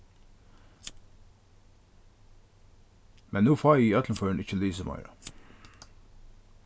men nú fái eg í øllum førum ikki lisið meira